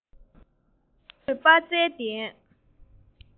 ཕྱུག པོའི ལམ དུ ཞུགས པའི གནས མཆོག འདི